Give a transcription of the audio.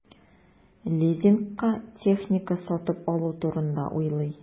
Лизингка техника сатып алу турында уйлый.